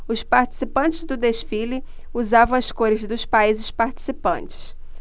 os participantes do desfile usavam as cores dos países participantes